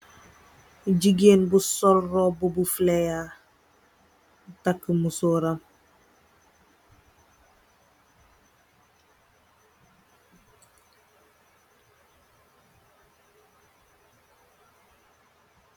Jigéen bu sol roobu bu fileya, takë musooram.